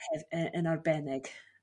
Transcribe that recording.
hef- ee yn arbennig